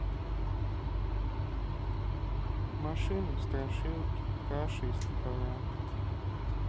машины страшилки каша из топора